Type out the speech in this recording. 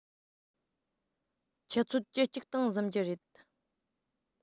ཆུ ཚོད བཅུ གཅིག སྟེང གཟིམ གྱི རེད